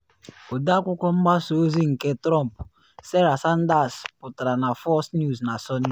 Ọdee Akwụkwọ mgbasa ozi nke Trump, Sarah Sanders, pụtara na Fox News na Sọnde.